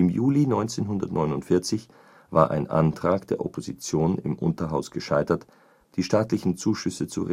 Juli 1949 war ein Antrag der Opposition im Unterhaus gescheitert, die staatlichen Zuschüsse zu